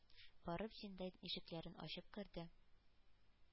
Барып зиндан ишекләрен ачып керде,